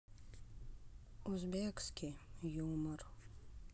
узбекский юмор